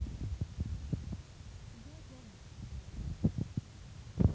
я загрузная